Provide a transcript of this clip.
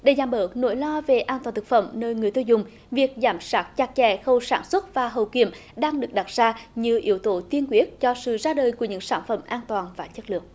để giảm bớt nỗi lo về an toàn thực phẩm nơi người tiêu dùng việc giám sát chặt chẽ khâu sản xuất và hậu kiểm đang được đặt ra như yếu tố tiên quyết cho sự ra đời của những sản phẩm an toàn và chất lượng